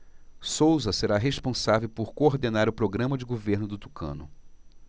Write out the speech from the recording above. souza será responsável por coordenar o programa de governo do tucano